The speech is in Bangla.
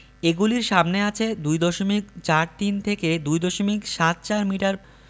এগুলির সামনে আছে ২ দশমিক চার তিন থেকে ২ দশমিক সাত চার মিটার